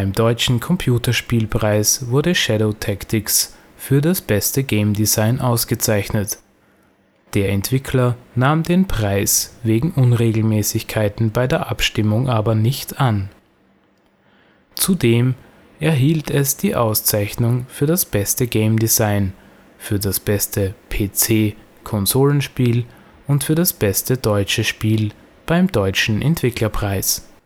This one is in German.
Deutschen Computerspielpreis wurde Shadow Tactics für das beste Gamedesign ausgezeichnet, der Entwickler nahm den Preis wegen Unregelmäßigkeiten bei der Abstimmung aber nicht an. Zudem erhielt es die Auszeichnungen für das beste Gamedesign, für das beste PC -/ Konsolenspiel und für das beste deutsche Spiel beim Deutschen Entwicklerpreis